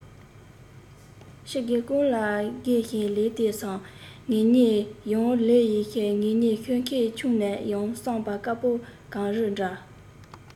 སྤྱི སྒེར ཀུན ལ དགེ ཞིང ལེགས དེ བསམ ངེད གཉིས ཡོང ལེ ཡིན ངེད གཉིས ཤོད མཁན ཆུང ན ཡང བསམ པ དཀར པོ གངས རི འདྲ